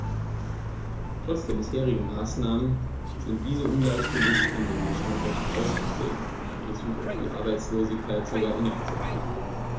Trotz der bisherigen Maßnahmen sind diese Ungleichgewichte nämlich noch recht ausgeprägt, in bezug auf die Arbeitslosigkeit sogar inakzeptabel.